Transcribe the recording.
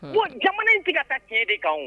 Bon jamana tigɛ ka tiɲɛ de kan